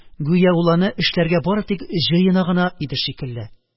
Гүя ул аны эшләргә бары тик җыена гына иде шикелле